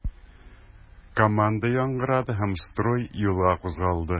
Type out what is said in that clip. Команда яңгырады һәм строй юлга кузгалды.